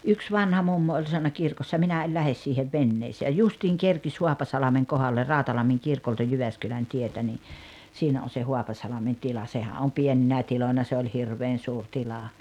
yksi vanha mummo oli sanonut kirkossa minä en lähde siihen veneeseen ja justiin kerkisi Haapasalmen kohdalle Rautalammin kirkolta Jyväskylän tietä niin siinä on se Haapasalmen tila sehän on pieninä tiloina se oli hirveän suuri tila